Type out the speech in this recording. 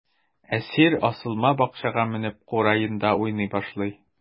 Әсир асылма бакчага менеп, кураенда уйный башлый.